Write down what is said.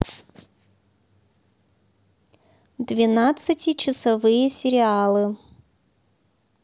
двенадцати часовые сериалы